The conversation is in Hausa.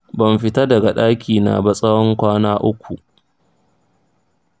ban fita daga daki na ba tsawon kwana uku.